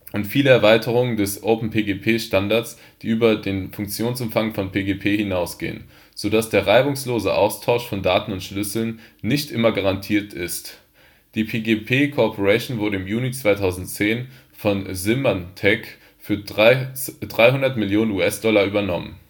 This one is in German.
viele Erweiterungen des OpenPGP-Standards, die über den Funktionsumfang von PGP hinausgehen, so dass der reibungslose Austausch von Daten und Schlüsseln nicht immer garantiert ist. Die PGP Corporation wurde im Juni 2010 von Symantec für 300 Millionen US-Dollar übernommen